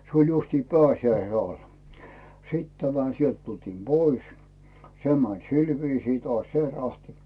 se oli justiin pääsiäisen alla sitten tämä sieltä tultiin pois se meni sillä viisiin taas se rahti